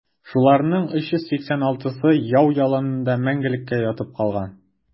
Шуларның 386-сы яу яланында мәңгелеккә ятып калган.